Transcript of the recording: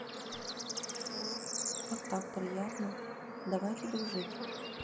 вот так приятна давайте дружить